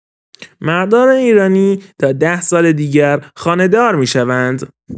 مردان ایرانی تا ۱۰ سال دیگر خانه‌دار می‌شوند!